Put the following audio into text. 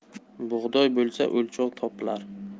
bug'doy bo'lsa o'lchov topilar